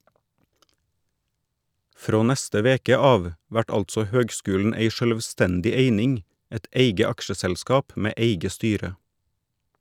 Frå neste veke av vert altså høgskulen ei sjølvstendig eining , eit eige aksjeselskap med eige styre.